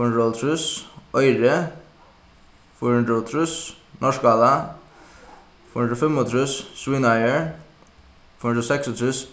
fýra hundrað og hálvtrýss oyri fýra hundrað og trýss norðskála fýra hundrað og fimmogtrýss svínáir fýra hundrað og seksogtrýss